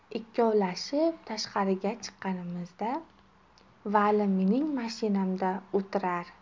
ikkovlashib tashqariga chiqqanimizda vali mening mashinamda o'tirar